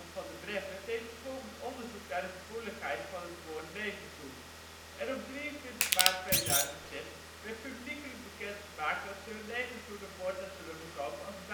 Van der Breggen deed vervolgens onderzoek naar de gevoeligheid van het woord " negerzoen ", en op 23 maart 2006 werd publiekelijk bekend gemaakt dat ze hun negerzoenen voortaan zullen verkopen als